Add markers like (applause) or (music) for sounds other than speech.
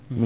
(hesitation) (hesitation)